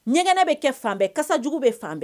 Ɲɛgɛnɛnɛ bɛ kɛ fan bɛɛ ka jugu bɛ fan bɛɛ